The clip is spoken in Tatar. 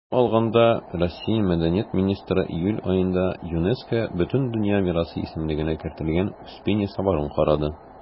Аерым алганда, Россия Мәдәният министры июль аенда ЮНЕСКО Бөтендөнья мирасы исемлегенә кертелгән Успенья соборын карады.